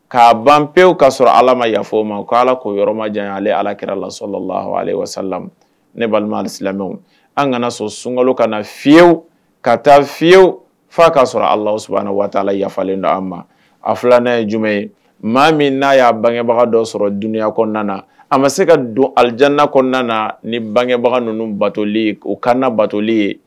K'a ban pewu k kaa sɔrɔ ala ma yafafɔ ma ko ala k ko yɔrɔ ma jan ale ala kɛra lasɔla lasala ne balima silamɛ an kana sɔrɔ sunkalo ka na fiyewu ka taa fiyewu fa k'a sɔrɔ alasu waa yafalen don an ma a filan' ye jumɛn ye maa min n'a y'a bangebaga dɔ sɔrɔ dunya kɔnɔna a ma se ka don ali kɔnɔna ni bangebaga ninnu batoli o kana batoli ye